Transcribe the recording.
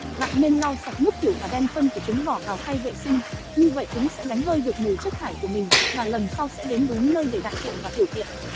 bạn nên lau sạch nước tiểu và đem phân của chúng bỏ vào khay vệ sinh như vậy chúng sẽ đánh hơi được mùi chất thải của mình và lần sau sẽ đến đúng nơi để đại tiện và tiểu tiện